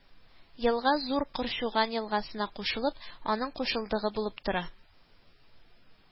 Елга Зур Корчуган елгасына кушылып, аның кушылдыгы булып тора